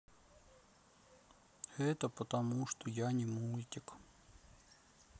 это потому что я не мультик